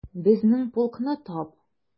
Безнең полкны тап...